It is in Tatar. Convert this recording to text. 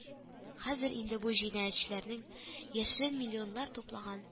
Хәзер инде бу җинаятьчеләрнең яшерен миллионнар туплаган